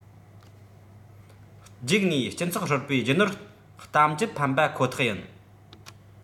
རྒྱུགས ནས སྤྱི ཚོགས ཧྲིལ པོའི རྒྱུ ནོར གཏམ རྒྱུད ཕམ པ ཁོ ཐག ཡིན